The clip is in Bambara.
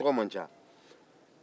a tɔgɔ man ca